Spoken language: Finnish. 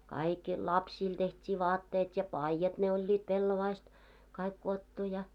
kaikki lapsille tehtiin vaatteet ja paidat ne olivat pellavasta kaikki kudottu ja